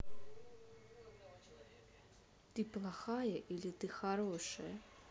ты плохая или ты хорошая